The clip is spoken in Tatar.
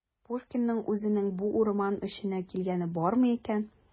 Пушкинның үзенең бу урман эченә килгәне бармы икән?